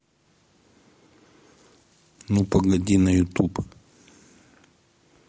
ну погоди на ютуб